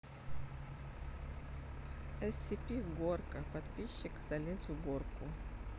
scp горка подписчик залез в горку